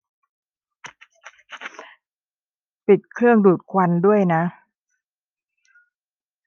ปิดเครื่องดูดควันด้วยนะ